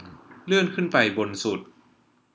เลื่อนขึ้นไปบนสุด